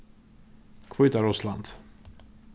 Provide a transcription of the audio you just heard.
hvítarussland